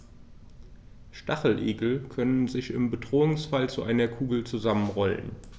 Stacheligel können sich im Bedrohungsfall zu einer Kugel zusammenrollen.